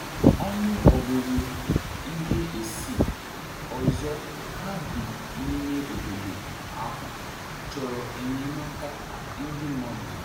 Ọnụọgụọgụ nde isii ọzọ ka bi n’ime obodo ahụ chọrọ enyemaka ndị mmadụ.